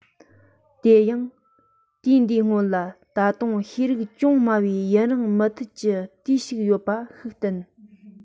དེ ཡང དུས འདིའི སྔོན ལ ད དུང ཤེས རིག ཅུང དམའ བའི ཡུན རིང མུ མཐུད ཀྱི དུས ཤིག ཡོད པ ཤུགས བསྟན རེད